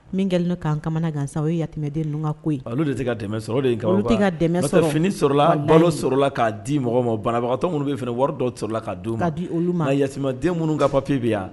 Min kɛlenna k'an kamana gan sa a o ye yamɛden ninnu ka koyi olu de tɛ ka dɛmɛ sɔrɔ de fini sɔrɔla balo sɔrɔ k'a di mɔgɔ ma banabagatɔ minnu bɛ f wɔɔrɔ dɔ sɔrɔ ka ka di olu ma ya den minnu kapibi yan